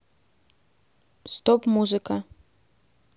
стоп музыка